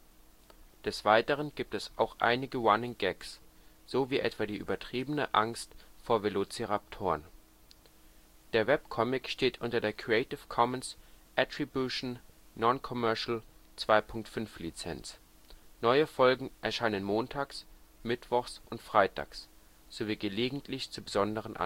Weiteren gibt es auch einige Running Gags, so wie etwa die übertriebene Angst vor Velociraptoren. Der Webcomic steht unter der Creative Commons Attribution-NonCommercial 2.5 Lizenz. Neue Folgen erscheinen Montags, Mittwochs und Freitags, sowie gelegentlich zu besonderen